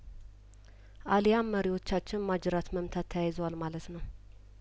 አሊያም መሪዎቻችን ማጅራት መምታት ተያይዘዋል ማለት ነው